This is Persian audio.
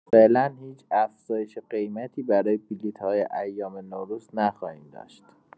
فعلا هیچ افزایش قیمتی برای بلیت‌های ایام نوروز نخواهیم داشت.